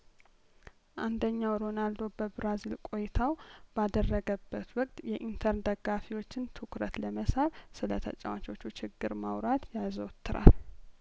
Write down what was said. አንደኛው ሮናልዶ በብራዚል ቆይታው ባደረገ በት ወቅት የኢንተር ደጋፊዎችን ትኩረት ለመሳብ ስለተጫዋቾቹ ችግሮች ማውራት ያዘወትራል